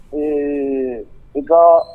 Ɛɛ i